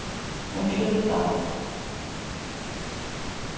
umskylda